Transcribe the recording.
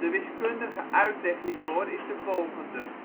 wiskundige uitleg hiervoor is de volgende